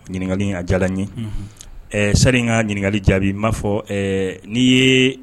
ɛɛ; ɲininkali in a diyara n ye ,unhun, sari n ka ɲininkalii jaabi b'a fɔ ɛɛ n' ye